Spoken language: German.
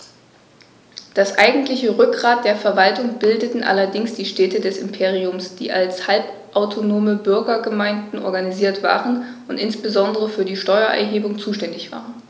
Das eigentliche Rückgrat der Verwaltung bildeten allerdings die Städte des Imperiums, die als halbautonome Bürgergemeinden organisiert waren und insbesondere für die Steuererhebung zuständig waren.